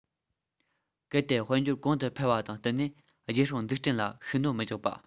གལ ཏེ དཔལ འབྱོར གོང དུ འཕེལ བ དང བསྟུན ནས རྒྱལ སྲུང འཛུགས སྐྲུན ལ ཤུགས སྣོན མི རྒྱག པ